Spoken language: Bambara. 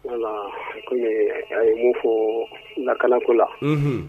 Yala kɔmi a ye mun fɔ lakalako la